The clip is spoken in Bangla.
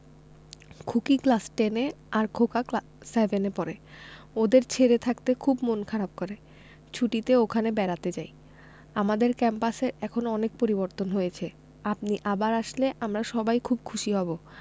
খুকি ক্লাস টেন এ আর খোকা সেভেন এ পড়ে ওদের ছেড়ে থাকতে খুব মন খারাপ করে ছুটিতে ওখানে বেড়াতে যাই আমাদের ক্যাম্পাসের এখন অনেক পরিবর্তন হয়েছে আপনি আবার আসলে আমরা সবাই খুব খুশি হব